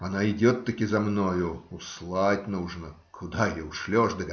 Она идет-таки за мною. Услать нужно. Куда ее ушлешь?